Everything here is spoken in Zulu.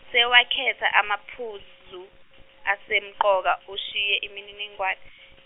sewakhetha amaphuzu, asemqoka ushiye imininingwane.